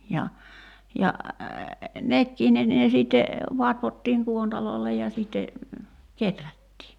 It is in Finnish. ja ja nekin ne ne sitten vatvottiin kuontaloille ja sitten kehrättiin